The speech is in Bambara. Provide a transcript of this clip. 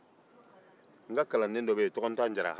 n ka kalanden dɔ bɛ yen ko tɔgɔntan jara